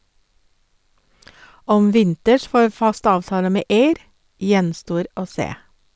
Om Winters får fast avtale med Ayr, gjenstår å se.